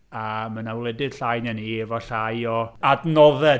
A mae yna wledydd llai na ni efo llai o adnoddau.